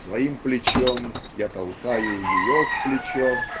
своим плечом я толкаю ее в плечо